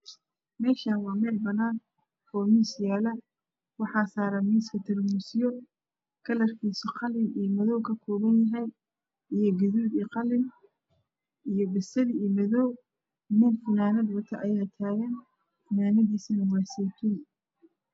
Meeshan waa meel banan ooyaalo miis miiska waxaa saaran tarmuusyo kalaradoo qalin iyo madoow uu kakoobanyahay iyo guduud iyo qalin iyo basali iyo madow nin funaanad wato ayaa tagan funanadiisana waa saytuun